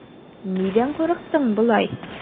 Нидән курыктың болай?